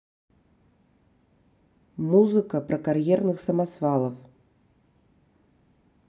музыка про карьерных самосвалов